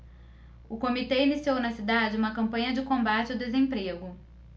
o comitê iniciou na cidade uma campanha de combate ao desemprego